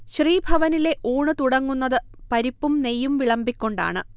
ശ്രീഭവനിലെ ഊണു തുടങ്ങുന്നതു പരിപ്പും നെയ്യും വിളമ്പിക്കൊണ്ടാണ്